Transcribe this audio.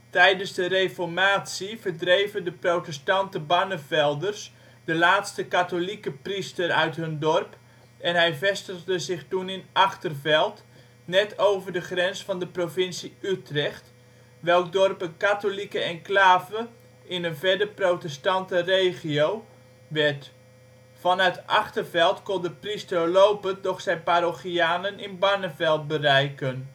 Tijdens de Reformatie verdreven de protestante Barnevelders de laatste katholieke priester uit hun dorp, en hij vestigde zich toen in Achterveld, net over grens van de provincie Utrecht, welk dorp een katholieke enclave in een verder protestante regio (Amersfoort en de Veluwe) werd. vanuit Achterveld kon de priester lopend nog zijn parochianen in Barneveld bereiken